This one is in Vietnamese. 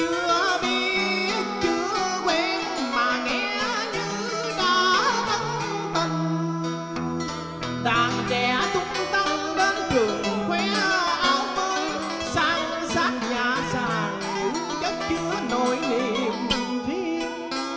chưa biết chưa quen mà nghe như đã thân tình đàn trẻ tung tăng bên cửa khoe áo mới san sát nhà giàng chất chứa nỗi niềm riêng